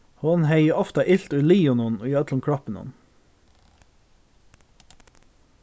hon hevði ofta ilt í liðunum í øllum kroppinum